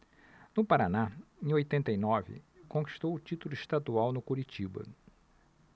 no paraná em oitenta e nove conquistou o título estadual no curitiba